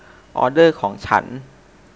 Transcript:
ออเดอร์ของฉัน